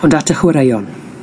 Ond at y chwaraeon.